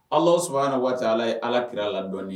Ala sɔnna na waati ala ye ala kirara la dɔn ye